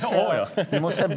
åja .